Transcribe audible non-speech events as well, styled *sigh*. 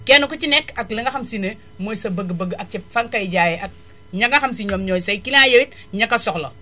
kenn ku ci nekk ak la nga xam si ne mooy sa bëgg-bëgg ak ca fa nga koy jaayee ak ña nga xam si ñoom ñooy say *noise* client yow it ña ka soxla